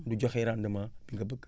du joxe rendement bi nga bëgg